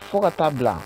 Fo ka t'a bila